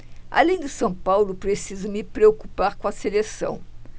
além do são paulo preciso me preocupar com a seleção